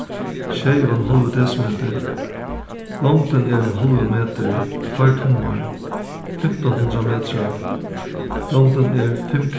sjey og ein hálvur desimetur longdin er ein hálvur metur tveir tummar fimtan hundrað metrar longdin er fimm